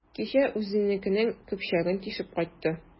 Кичә үзенекенең көпчәген тишеп кайтты.